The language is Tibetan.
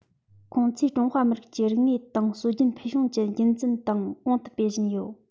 ཁོང ཚོས ཀྲུང ཧྭ མི རིགས ཀྱི རིག གནས དང སྲོལ རྒྱུན ཕུལ བྱུང ཅན རྒྱུན འཛིན དང གོང དུ སྤེལ བཞིན ཡོད